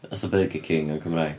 Fatha Burger King yn Cymraeg.